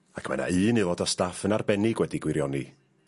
...ac mae 'na un aelod o staff yn arbennig wedi gwirioni.